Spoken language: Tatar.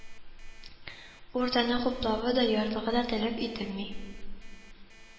Урданың хуплавы да, ярлыгы да таләп ителми